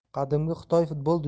qadimgi xitoy futbol